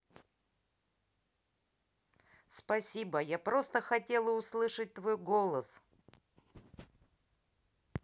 спасибо я просто хотела услышать твой голос